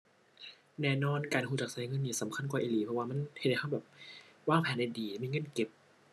แน่นอน การรู้จักรู้เงินนี้สำคัญกว่าอีหลี เพราะว่ามันเฮ็ดให้รู้แบบวางแผนได้ดี มีเงินเก็บ